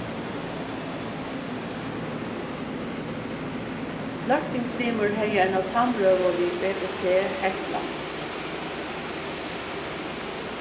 løgtingslimur hevði eina samrøðu við bbc hetland